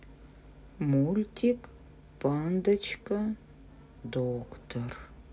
мультик пандочка доктор